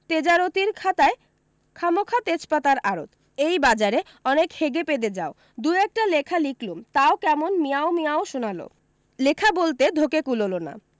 তেজারতির খাতায় খামোখা তেজপাতার আড়ত এই বাজারে অনেক হেগে পেদে যাও দুএকটি লেখা লিখলুম তাও কেমন মিয়াও মিয়াও শোনালো লেখা বলতে ধকে কুলোলো না